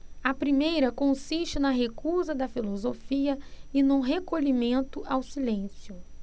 a primeira consiste na recusa da filosofia e no recolhimento ao silêncio